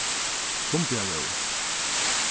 sunnbiarvegur